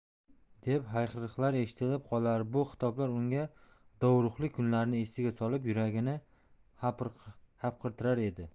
deb hayqiriqlar eshitilib qolar bu xitoblar unga dovruqli kunlarini esiga solib yuragini hapriqtirar edi